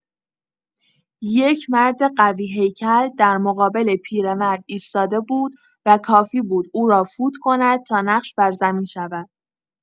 یک مرد قوی‌هیکل در مقابل پیرمرد ایستاده بود و کافی بود او را فوت کند تا نقش بر زمین شود.